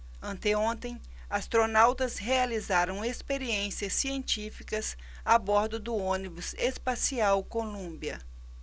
anteontem astronautas realizaram experiências científicas a bordo do ônibus espacial columbia